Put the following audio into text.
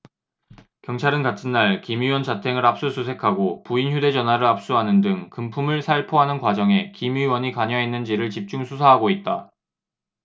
경찰은 같은 날 김 의원 자택을 압수수색하고 부인 휴대전화를 압수하는 등 금품을 살포하는 과정에 김 의원이 관여했는지를 집중 수사하고 있다